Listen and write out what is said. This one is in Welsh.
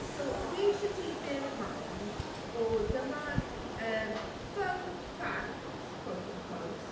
So, dwi isio ti bear in mind bod dyma'r... yr fun facts, quote on quote.